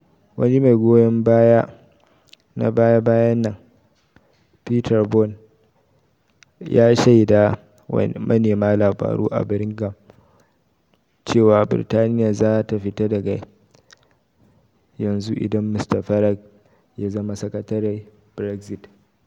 Wani mai goyon baya na baya-bayan nan, Peter Bone, ya shaida wa manema labaru a Birmingham cewa Birtaniya za ta fita daga yanzu idan Mr Farage ya zama Sakatare Brexit.